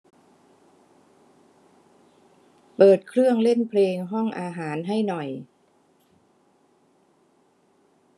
เปิดเครื่องเล่นเพลงห้องอาหารให้หน่อย